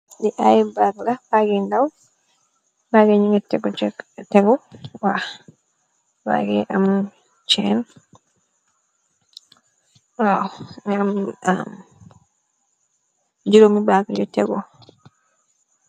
Li ay bag la bag yu ndaw baggi ñu ngi tegu ci etabi waw bag yu am cheen nga am jorom mi bagg yu tegu